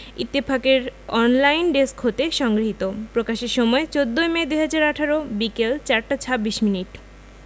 ইত্তেফাক এর online desk হতে সংগৃহীত প্রকাশের সময় ১৪মে ২০১৮ বিকেল ৪টা ২৬ মিনিট